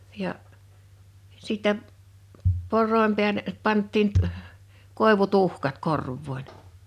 ja sitten porojen päälle pantiin -- koivutuhkat korvoihin